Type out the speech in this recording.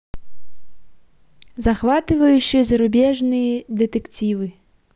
захватывающие зарубежные детективы